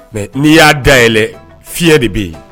Mais n'i y'a dayɛlɛ fiyɛ de bɛ yen